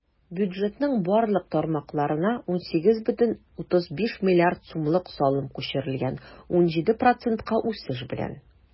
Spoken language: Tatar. Бюджетның барлык тармакларына 18,35 млрд сумлык салым күчерелгән - 17 процентка үсеш белән.